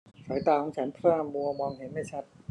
สายตาของฉันพร่ามัวมองเห็นไม่ชัด